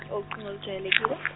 ocingo olujwayelekile.